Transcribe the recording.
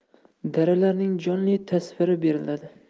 daralarning jonli tasviri beriladi